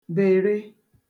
bère